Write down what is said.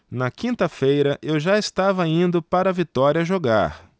na quinta-feira eu já estava indo para vitória jogar